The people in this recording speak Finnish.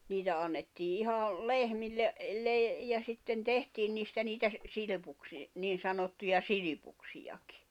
niitä annettiin ihan lehmille - ja sitten tehtiin niistä niitä -- niin sanottuja silpuksiakin